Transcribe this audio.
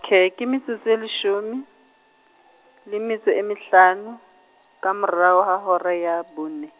-kay ke metsotso e leshome , le metso e mehlano, ka morao ha hora ya bone.